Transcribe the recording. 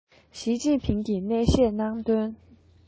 ཞིས ཅིན ཕིང གིས ནན བཤད གནང དོན